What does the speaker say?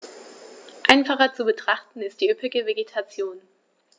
Einfacher zu betrachten ist die üppige Vegetation.